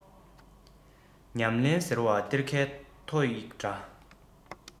ཉམས ལེན ཟེར བ གཏེར ཁའི ཐོ ཡིག འདྲ